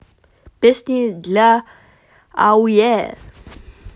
песни для ауе